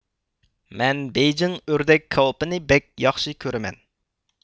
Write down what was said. مەن بېيجىڭ ئۆردەك كاۋىپىنى بەك ياخشى كۆرىمەن